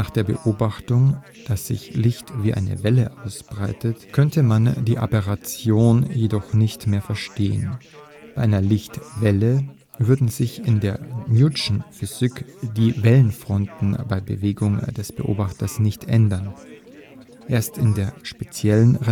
der Beobachtung, dass sich Licht wie eine Welle ausbreitet (Undulationstheorie), konnte man die Aberration jedoch nicht mehr verstehen. Bei einer Lichtwelle würden sich in der newtonschen Physik die Wellenfronten bei Bewegung des Beobachters nicht ändern. Erst in der Speziellen